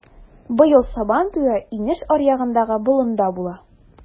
Быел Сабантуе инеш аръягындагы болында була.